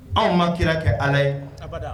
Anw ma kira kɛ ala ye